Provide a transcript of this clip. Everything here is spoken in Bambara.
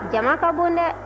jama ka bon dɛ